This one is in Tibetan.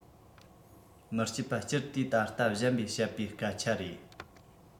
མི སྐྱིད པ སྤྱིར དུས ད ལྟ གཞན པས བཤད པའི སྐད ཆ རེད